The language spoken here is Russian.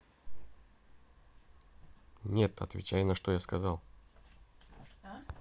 нет отвечай на что я сказал